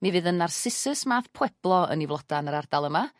mi fydd y narcissus math Pueblo yn 'i floda yn yr ardal yma.